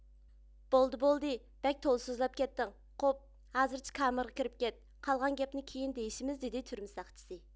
بولدى بولدى بەك تولا سۆزلەپ كەتتىڭ قوپ ھازىرچە كامىرغا كىرىپ كەت قالغان گەپنى كېيىن دېيىشىمىزدىدى تۈرمە ساقچىسى